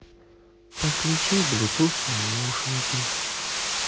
подключи блютуз наушники